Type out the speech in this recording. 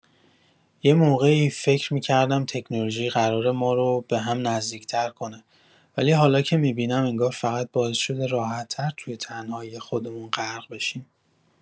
یه موقعی فکر می‌کردم تکنولوژی قراره ما رو به هم نزدیک‌تر کنه، ولی حالا که می‌بینم، انگار فقط باعث شده راحت‌تر توی تنهایی خودمون غرق بشیم.